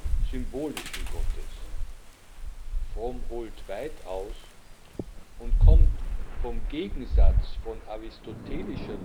symbolischen Gottes. Fromm holt weit aus und kommt vom Gegensatz von aristotelischer Logik